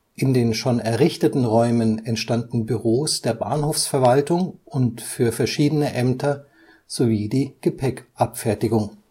In den schon errichteten Räumen entstanden Büros der Bahnhofsverwaltung und für verschiedene Ämter sowie die Gepäckabfertigung